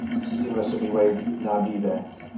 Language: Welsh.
s- s- sdim reswm i weud na fydd e